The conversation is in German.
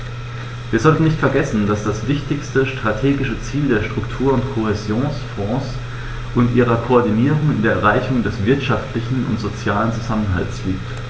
Wir sollten nicht vergessen, dass das wichtigste strategische Ziel der Struktur- und Kohäsionsfonds und ihrer Koordinierung in der Erreichung des wirtschaftlichen und sozialen Zusammenhalts liegt.